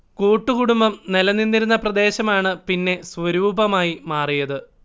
കൂട്ടു കുടുംബം നിലനിന്നിരുന്ന പ്രദേശമാണ് പിന്നെ സ്വരൂപമായി മാറിയത്